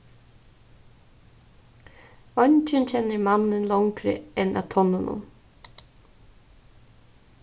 eingin kennir mannin longri enn at tonnunum